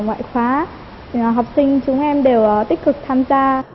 ngoại khóa học sinh chúng em đều ở tích cực tham gia